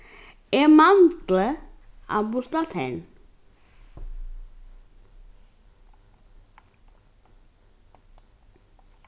eg mangli at busta tenn